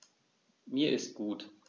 Mir ist gut.